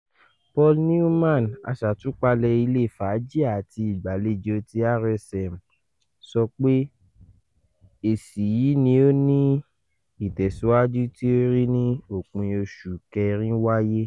Paul Newman, aṣàtúpalẹ̀ ilé fààjì àti ìgbàlejò ti RSM sọ pé: ‘’Esi yii ni o ni ìtẹ̀siwaju ti a ri ni opin oṣu kẹrin wáyé.